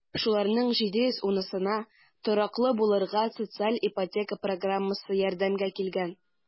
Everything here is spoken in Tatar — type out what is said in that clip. Шуларның 710-сына тораклы булырга социаль ипотека программасы ярдәмгә килгән.